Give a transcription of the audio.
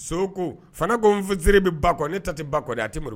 So ko fana ko n seere bɛ ba kɔ, ne ta tɛ ba kɔ dɛ a tɛ muru